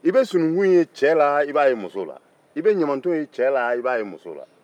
i bɛ sununkun ye cɛ la i b'a ye muso la i bɛ ɲamaton ye cɛ la i b'a ye muso la